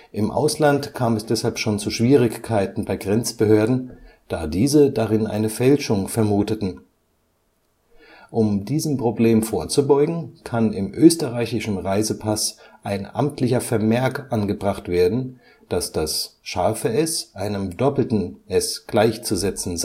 Im Ausland kam es deshalb schon zu Schwierigkeiten bei Grenzbehörden, da diese darin eine Fälschung vermuteten. Um diesem Problem vorzubeugen, kann im österreichischen Reisepass ein amtlicher Vermerk angebracht werden, dass das ß einem ss gleichzusetzen